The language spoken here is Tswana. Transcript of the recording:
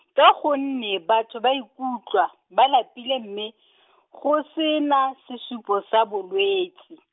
ka gonne batho ba ikutlwa ba lapile mme , go sena sesupo sa bolwetsi.